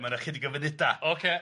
ma' yna chydig o fynedau ocê.